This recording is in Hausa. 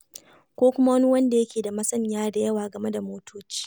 Ko kuma wani wanda yake da masaniya da yawa game da motoci.